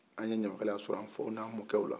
an ye ɲamakalaya sɔr'an faw n'an mɔkɛw la